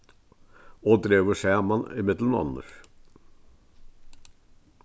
og dregur saman ímillum onnur